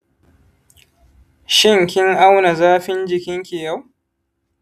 shin kin auna zafin jikinki yau?